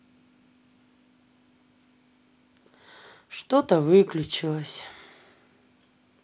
что то выключилось